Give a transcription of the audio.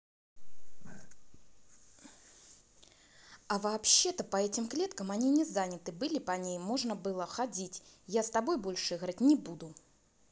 а вообще то по этим клеткам они не заняты были по ней можно было ходить я с тобой больше играть не буду